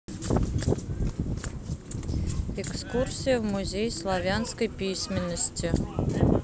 экскурсия в музей славянской письменности